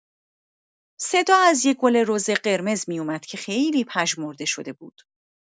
صدا از یه گل رز قرمز می‌اومد که خیلی پژمرده شده بود.